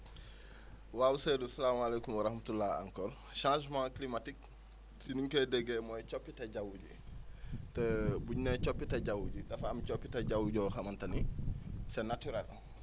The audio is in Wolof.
waaw Seydou salaamaaleykum wa rahmatulah encore chnagement climatique si ni ñu koy déggee mooy coppite jaww ji te bu ñu nee coppite jaww ji dafa am coppite jaww joo xamante ni c' est naturel